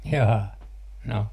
jaa no